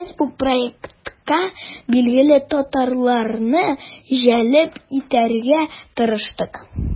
Без бу проектка билгеле татарларны җәлеп итәргә тырыштык.